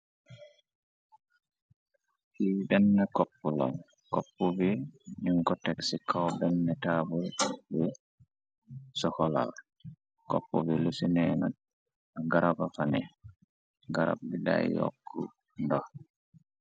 Fi benna kopp loñ, kopp bi nun ko teg ci kaw benna taabul bu sokola. Kopp bi lu ci nè nak garaba fa ne garab bi dayi yokk ndoh.